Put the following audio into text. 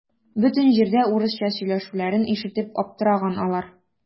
Бөтен җирдә урысча сөйләшүләрен ишетеп аптыраган алар.